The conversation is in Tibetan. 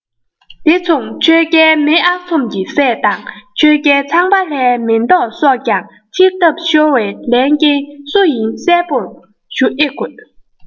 དེ མཚུངས ཆོས རྒྱལ མེས ཨག ཚོམ གྱི སྲས དང ཆོས རྒྱལ ཚངས པ ལྷའི མེ ཏོག སོགས ཀྱང ཆིབས བརྡབས ཤོར བའི ལན རྐྱེན སུ ཡིན གསལ པོ ཞུ ཨེ དགོས